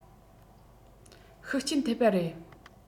ཤུགས རྐྱེན ཐེབས པ རེད